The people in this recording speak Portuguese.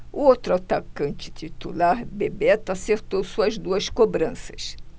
o outro atacante titular bebeto acertou suas duas cobranças